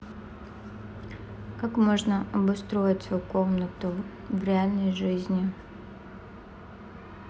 как можно обустроить свою комнату в реальной жизни